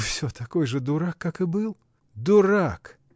Всё такой же дурак, как и был! — Дурак!